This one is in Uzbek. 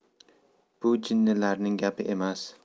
bu jinnilarning gapi emas